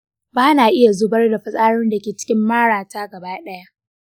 ba na iya zubar da fitsarin da ke cikin marata gaba ɗaya.